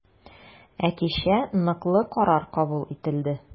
Ә кичә ныклы карар кабул ителде.